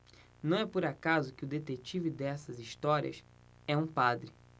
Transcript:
não é por acaso que o detetive dessas histórias é um padre